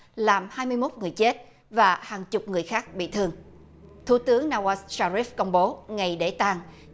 làm hai mươi mốt người chết và hàng chục người khác bị thương thủ tướng na oa sa rít công bố ngày để tang